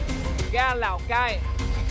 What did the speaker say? ga lào cai